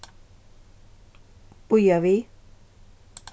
bíða við